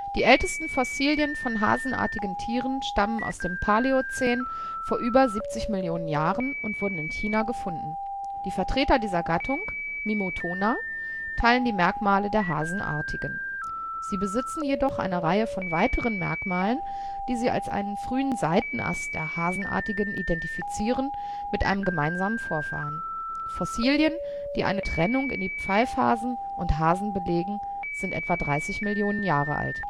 Die ältesten Fossilien von hasenartigen Tieren stammen aus dem Paläozän vor über 70 Millionen Jahren und wurden in China gefunden. Die Vertreter dieser Gattung (Mimotona) teilen die Merkmale der Hasenartigen. Sie besitzen jedoch eine Reihe von weiteren Merkmalen, die sie als einen frühen Seitenast der Hasenartigen identifizieren, mit einem gemeinsamen Vorfahren. Fossilien, die eine Trennung in die Pfeifhasen und Hasen belegen, sind etwa 30 Millionen Jahre alt